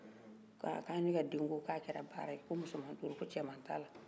ko ahh ne ka den ko k'a kɛra baara ye ko musoma duru ko cɛma t'a la